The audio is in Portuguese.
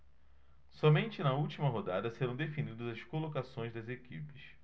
somente na última rodada serão definidas as colocações das equipes